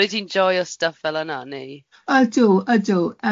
Rydyn ni'n joio stuff fel yna neu? Ydw ydw.